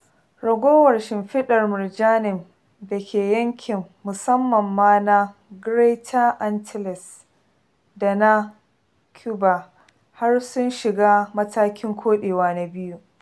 Ragowar shimfiɗar murjanin da ke yankin, musamman ma na Greater Antilles da na cuba, har sun shiga matakin koɗewa na biyu.